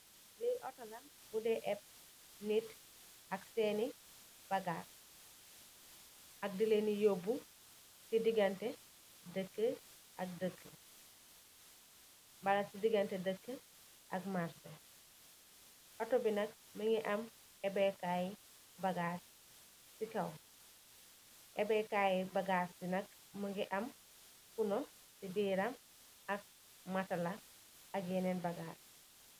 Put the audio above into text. Lii autor la budae ehbb nitt ak sehni bagass, ak dilen dii yobu cii diganteh dekue ak dekue, mba cii diganteh dekue ak marche, autor bii nak mungy am ehbeh kaii bagass cii kaww, ehhbeh kaii bagass bii nak mungy am ponoh cii biram ak matla ak yenen bagass.